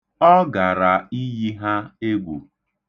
Ọ gara iyi ha egwu.